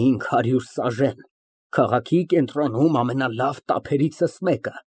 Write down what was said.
Հինգ հարյուր սաժեն։ Քաղաքի կենտրոնում ամենալավ տափերիցս մեկը։